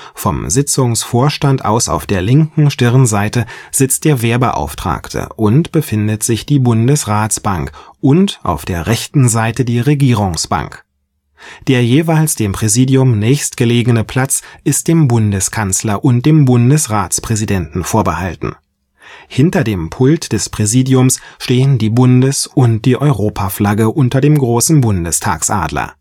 Vom Sitzungsvorstand aus auf der linken Stirnseite sitzt der Wehrbeauftragte und befindet sich die Bundesratsbank und auf der rechten Seite die Regierungsbank. Der jeweils dem Präsidium nächstgelegene Platz ist dem Bundeskanzler und dem Bundesratspräsidenten vorbehalten. Hinter dem Pult des Präsidiums stehen die Bundes - und die Europaflagge unter dem großen Bundestagsadler